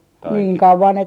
taikina